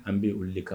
An b bɛ olu kan